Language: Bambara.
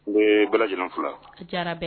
U bɛ ye bala j fila